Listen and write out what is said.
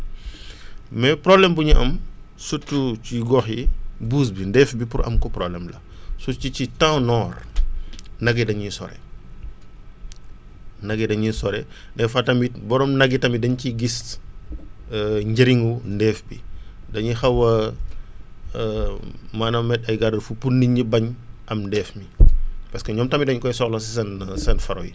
mais problème bu ñu am surtout ci gox yi bouse bi ndéef bi pour am ko prpblème la surtout ci temps noor nag yi dañuy sori nag yi dañuy sori des fois tamit borom nag yi tamit dañ ciy gis njëriñu ndéef bi dañuy xaw a maanaam mettre ay garde fou pour nit ñi bañ am ndéef mi parce que ñoom tamit dañ koy soxla seen seen faro yi